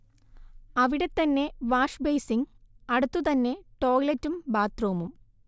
അവിടെ തന്നെ വാഷ്ബെയ്സിങ്, അടുത്ത് തന്നെ ടോയ്ലറ്റും ബാത്ത്റൂമും